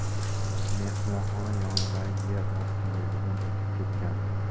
mehmonxona yonidagi yer osti yo'lidan o'tib ketgandi